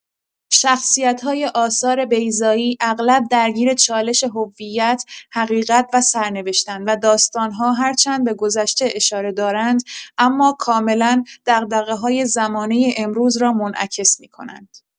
شخصیت‌های آثار بیضایی اغلب درگیر چالش هویت، حقیقت و سرنوشت‌اند و داستان‌ها هرچند به گذشته اشاره دارند، اما کاملا دغدغه‌های زمانه امروز را منعکس می‌کنند.